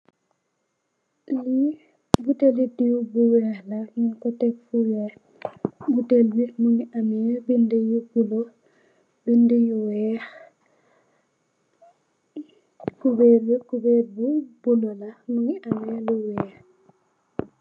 Lee botele deew bu weex la nugku tek fu weex botel be muge ameh bede yu bulo bede yu weex kuberr be kuberr bu bulo la nuge am lu weex.